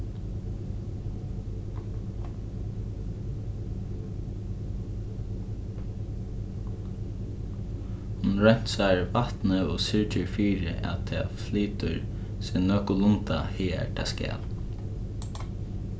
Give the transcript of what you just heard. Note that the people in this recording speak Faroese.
hon reinsar vatnið og syrgir fyri at tað flytur seg nøkulunda hagar tað skal